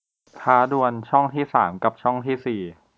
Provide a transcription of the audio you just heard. ท้าดวลช่องที่สามกับช่องที่สี่